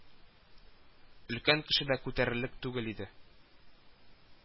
Өлкән кеше дә күтәрерлек түгел иде